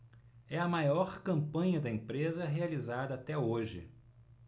é a maior campanha da empresa realizada até hoje